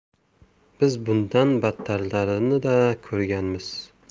biz bundan battarlarini da ko'rganmiz